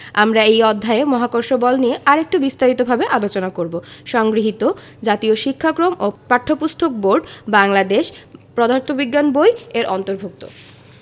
আমরা এই অধ্যায়ে মহাকর্ষ বল নিয়ে আরেকটু বিস্তারিতভাবে আলোচনা করব সংগৃহীত জাতীয় শিক্ষাক্রম ও পাঠ্যপুস্তক বোর্ড বাংলাদেশ পদার্থ বিজ্ঞান বই এর অন্তর্ভুক্ত